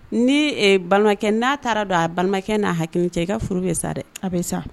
Ni balimakɛ n'a taara dɔn a balimakɛ n'a hakili cɛ i ka furu bɛ sa dɛ.